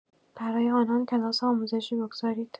برای آنان کلاس آموزشی بگذارید.